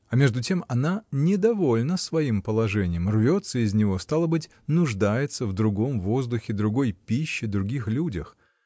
А между тем она недовольна своим положением, рвется из него, стало быть, нуждается в другом воздухе, другой пище, других людях.